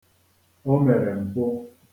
O mere mpụ.